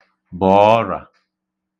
bọ̀ ọrà